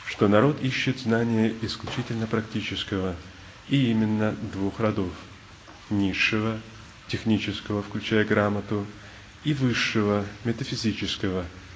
что народ ищет знания исключительно практического и именно двух родов низшего технического включая грамоту и высшего метафизического